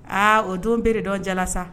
Aa o don bere de dɔn jaasa